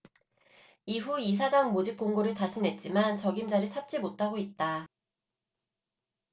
이후 이사장 모집 공고를 다시 냈지만 적임자를 찾지 못하고 있다